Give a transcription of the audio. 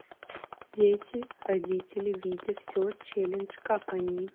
дети родители видя все челендж как они